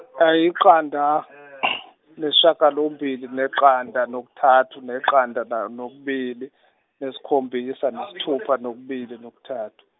ah yiqanda , nesishagalombili neqanda nokuthathu neqanda na- nokubili nesikhombisa nesithupha nokubili nokuthathu.